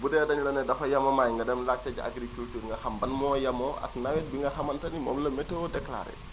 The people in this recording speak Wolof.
bu dee dañu la ne dafa yemamaay nga dem laajte ji agriculture nga xam ban moo yemoo ak nawet bi nga xamante ni moom la météo déclaré